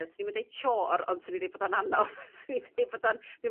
y 'swni'm yn deud chore ond 'swni'n deud bod o'n anodd 'swni'n deud bod o